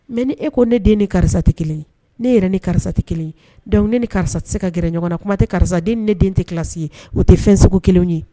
Mɛ ni e ko ne den ni karisa tɛ kelen ne yɛrɛ ni karisa tɛ kelen da ne ni karisa tɛ se ka gɛrɛ ɲɔgɔn na kuma tɛ karisaden ne den tɛlasi ye u tɛ fɛn segu kelen ye